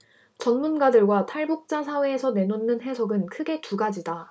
전문가들과 탈북자 사회에서 내놓는 해석은 크게 두 가지다